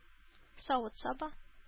Савыт-саба